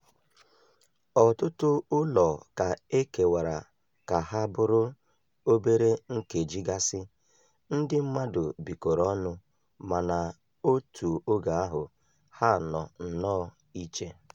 Ọtụtụ ụlọ ka e kewara ka ha bụrụ obere nkeji gasị. Ndị mmadụ bikọrọ ọnụ, mana n'otu oge ahụ, ha nọ nnọọ iche.